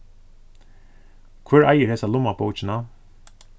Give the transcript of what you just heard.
hvør eigur hesa lummabókina